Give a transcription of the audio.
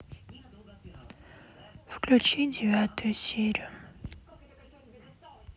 включи девятую серию